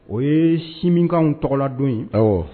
O ye si minkan tɔgɔla don ayiwa